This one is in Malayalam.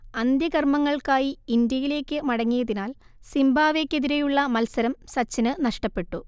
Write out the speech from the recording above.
അന്ത്യകർമങ്ങൾക്കായി ഇന്ത്യയിലേക്ക് മടങ്ങിയതിനാൽ സിംബാബ്വേക്കെതിരേയുള്ള മത്സരം സച്ചിന് നഷ്ടപ്പെട്ടു